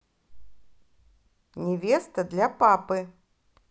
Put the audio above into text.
невеста для папы